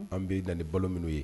An bɛ na balo minnu ye